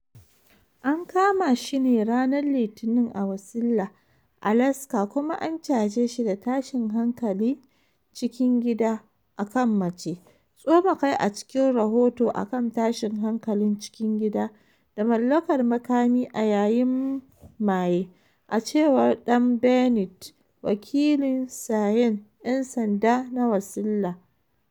An kama shi ne ranan Litinin a Wasilla, Alaska, kuma an caje shi da tashin hankalin cikin gida akan mace, tsoma kai a cikin rahoto akan tashin hankalin cikin gida da mallakar makami a yayin maye, a cewar Dan Bennet, Wakilin Sahen Yan Sanda na Wasilla.